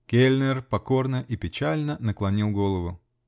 Кельнер покорно и печально наклонил голову.